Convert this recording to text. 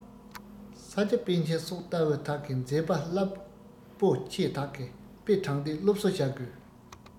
ས སྐྱ པཎ ཆེན སོགས ལྟ བུ དག གི མཛད པ རླབས པོ ཆེ དག གི དཔེ དྲངས ཏེ སློབ གསོ བྱ དགོས